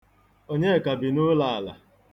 Onyeka bi n'ụlaala.